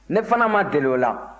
ne fana ma deli o la